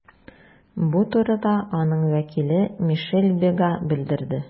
Бу турыда аның вәкиле Мишель Бега белдерде.